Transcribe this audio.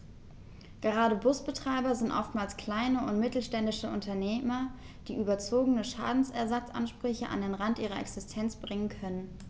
Gerade Busbetreiber sind oftmals kleine und mittelständische Unternehmer, die überzogene Schadensersatzansprüche an den Rand ihrer Existenz bringen können.